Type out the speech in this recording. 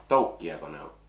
toukkiako ne on